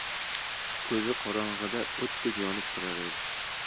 ko'zi qorong'ida o'tdek yonib turar edi